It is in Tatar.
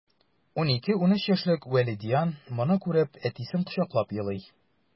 12-13 яшьлек вәлидиан моны күреп, әтисен кочаклап елый...